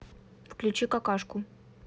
включи какашку